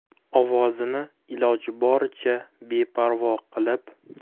ovozini iloji boricha beparvo qilib